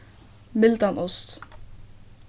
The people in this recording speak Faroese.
mildan ost